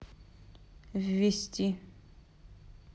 ввести